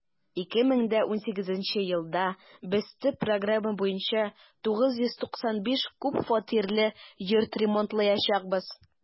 2018 елда без төп программа буенча 995 күп фатирлы йорт ремонтлаячакбыз.